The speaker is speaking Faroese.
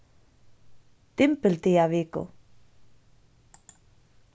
dymbildagaviku